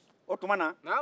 o tuma na